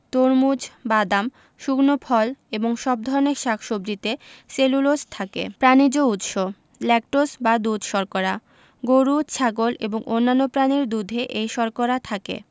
তরমুজ বাদাম শুকনো ফল এবং সব ধরনের শাক সবজিতে সেলুলোজ থাকে প্রানিজ উৎস ল্যাকটোজ বা দুধ শর্করা গরু ছাগল এবং অন্যান্য প্রাণীর দুধে এই শর্করা থাকে